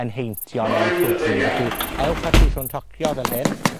yn heintio neu'n pwdri. Felly, ewch â'r siswrn tocio fel hyn